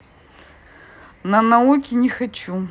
на науке не хочу